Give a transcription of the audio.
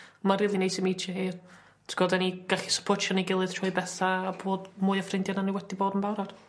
ma' rili neis i mîtio hi t'god 'dan ni gallu syportio ni gilydd trwy betha a bod mwy o ffrindia na ni wedi bod yn barod.